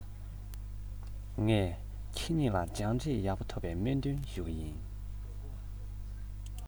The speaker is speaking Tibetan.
ངས ཁྱེད གཉིས ལ སྦྱངས འབྲས ཡག པོ ཐོབ པའི སྨོན འདུན ཞུ གི ཡིན